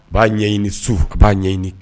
B'a ɲɛɲini su b'a ɲɛɲini